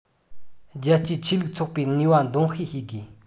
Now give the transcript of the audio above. རྒྱལ གཅེས ཆོས ལུགས ཚོགས པའི ནུས པ འདོན སྤེལ བྱེད དགོས